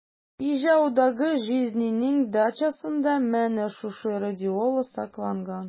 Ижаудагы җизнинең дачасында менә шушы радиола сакланган.